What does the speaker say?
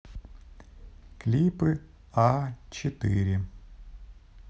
клипы а четыре